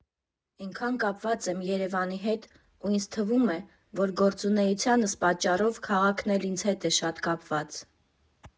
Էնքան կապված եմ Երևանի հետ, ու ինձ թվում է, գործունեությանս պատճառով քաղաքն էլ ինձ հետ է շատ կապված։